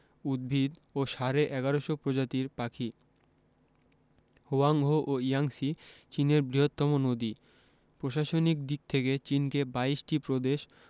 উদ্ভিত ও সাড়ে ১১শ প্রজাতির পাখি হোয়াংহো ও ইয়াংসি চীনের বৃহত্তম নদী প্রশাসনিক দিক থেকে চিনকে ২২ টি প্রদেশ